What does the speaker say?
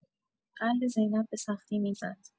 قلب زینب به‌سختی می‌زد.